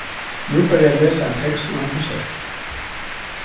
nú fari eg at lesa ein tekst um eina konsert